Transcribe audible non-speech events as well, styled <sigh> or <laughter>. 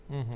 <hesitation> <hesitation>